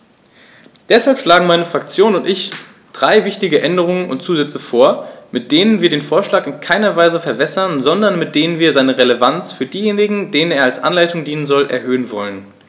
Deshalb schlagen meine Fraktion und ich drei wichtige Änderungen und Zusätze vor, mit denen wir den Vorschlag in keiner Weise verwässern, sondern mit denen wir seine Relevanz für diejenigen, denen er als Anleitung dienen soll, erhöhen wollen.